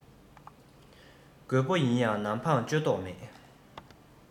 རྒོད པོ ཡིན ཡང ནམ འཕང གཅོད མདོག མེད